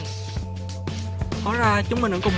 hóa ra chúng mình ở cùng